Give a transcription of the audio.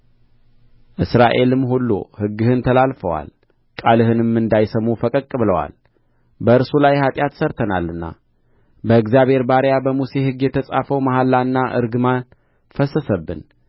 እስራኤልም ሁሉ ሕግህን ተላልፈዋል ቃልህንም እንዳይሰሙ ፈቀቅ ብለዋል በእርሱ ላይ ኃጢአት ሠርተናልና በእግዚአብሔር ባሪያ በሙሴ ሕግ የተጻፈው መሐላና እርግማን ፈሰሰብን